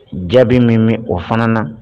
Jaabi bɛ min min o fana na